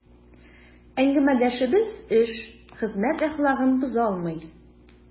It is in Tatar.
Әңгәмәдәшебез эш, хезмәт әхлагын боза алмый.